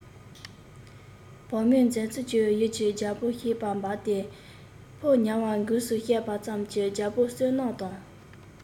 བག མེད མཛད ཚུལ གྱིས ཡུལ གྱི རྒྱལ པོ ཤེས པ འབར ཏེ ཕོ ཉ བ འགུགས སུ བཤམས པ ཙམ གྱིས རྒྱལ པོའི བསོད ནམས དང